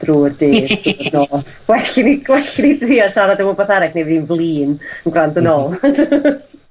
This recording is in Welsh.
drw'r dydd... ...hyd y nos. Gwell i fi gwell i fi trio siarad am wbath arall neu fydd 'i'yn flin yn gwrando nôl.